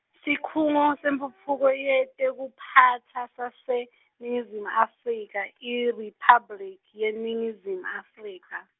sikhungo sentfutfuko yeTekuphatsa saseNingizimu Afrika IRiphabliki yeNingizimu Afrika.